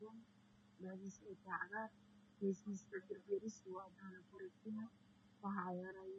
Halkaan waxaa ka muuqdo garoon ay ku dheelayaan ciyaartooy